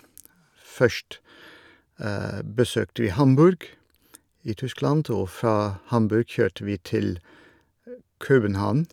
Først besøkte vi Hamburg i Tyskland, og fra Hamburg kjørte vi til København.